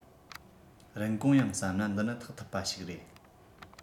རིན གོང ཡང བསམ ན འདི ནི ཐེག ཐུབ པ ཞིག རེད